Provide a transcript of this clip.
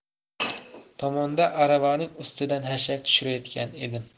tomonda aravaning ustidan xashak tushirayotgan edim